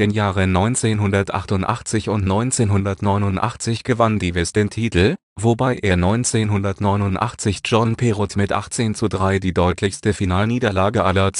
Jahren 1988 und 1989 gewann Davis den Titel, wobei er 1989 John Parrott mit 18:3 die deutlichste Finalniederlage aller